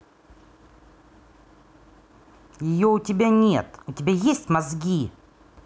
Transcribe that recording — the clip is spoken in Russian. ее у тебя нет у тебя есть мозги